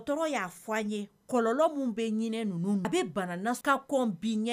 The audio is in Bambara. Y'a fɔ an ye kɔ bɛ ninnu bɛ banaka